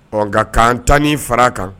Nka ka' tan ni fara kan